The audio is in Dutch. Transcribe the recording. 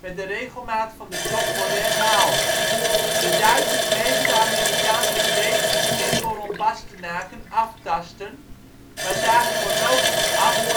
de regelmaat van de klok worden herhaald. De Duitsers bleven de Amerikaanse verdedigingscirkel rond Bastenaken aftasten, maar zagen voorlopig af